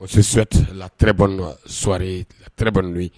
O se su la soware tban don ye